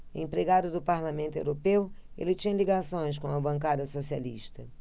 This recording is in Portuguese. empregado do parlamento europeu ele tinha ligações com a bancada socialista